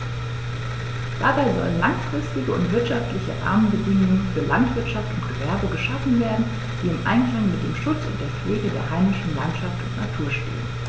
Dabei sollen langfristige und wirtschaftliche Rahmenbedingungen für Landwirtschaft und Gewerbe geschaffen werden, die im Einklang mit dem Schutz und der Pflege der heimischen Landschaft und Natur stehen.